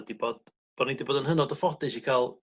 ...ydi bod bo' ni 'di bod yn hynod y ffodus i ca'l